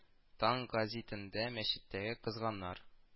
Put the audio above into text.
Таң гәзитендә мәчеттәге козгыннар